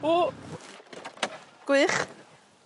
O! Gwych.